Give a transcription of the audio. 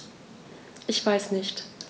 Ich weiß nicht.